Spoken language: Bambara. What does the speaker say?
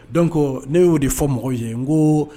Dɔn ko ne y'o de fɔ mɔgɔ ye ko